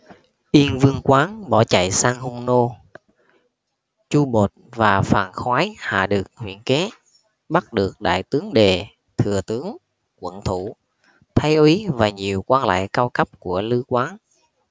yên vương quán bỏ chạy sang hung nô chu bột và phàn khoái hạ được huyện kế bắt được đại tướng đề thừa tướng quận thủ thái úy và nhiều quan lại cao cấp của lư quán